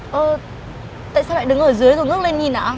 ơ tại sao lại đứng ở dưới rồi ngước lên nhìn ạ